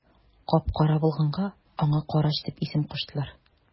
Кап-кара булганга аңа карач дип исем куштылар.